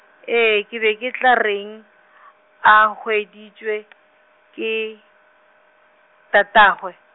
ee ke be ke tla reng , a hweditšwe , ke, tatagwe?